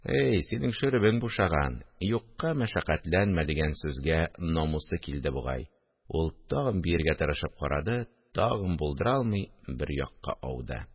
– әй, синең шөребең бушаган, юкка мәшәкатьләнмә! – дигән сүзгә намусы килде бугай, ул тагын биергә тырышып карады, тагын булдыра алмый, бер якка ауды